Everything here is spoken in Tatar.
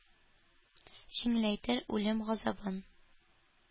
Җиңеләйтер үлем газабын,